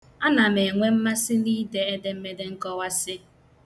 Ana m enwe mmasị n'ide edemede nkọwasị.